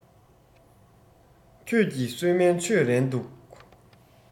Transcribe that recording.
ཁྱེད ཀྱིས གསོལ སྨན མཆོད རན འདུག